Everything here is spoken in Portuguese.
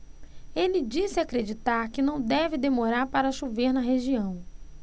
ele disse acreditar que não deve demorar para chover na região